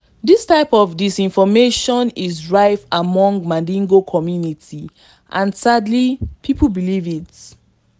This type of disinformation is rife among the Mandingo community and sadly, people believe it.